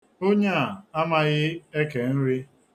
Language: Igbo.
Onye a amaghị eke nri.